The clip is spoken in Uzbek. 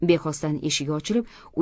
bexosdan eshik ochilib